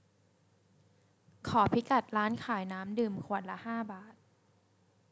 ขอพิกัดร้านขายน้ำดื่มขวดละห้าบาท